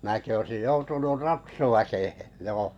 minäkin olisin joutunut ratsuväkeen joo